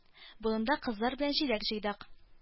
Болында кызлар белән җиләк җыйдык.